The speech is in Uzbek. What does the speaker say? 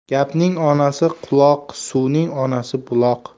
gapning onasi quloq suvning onasi buloq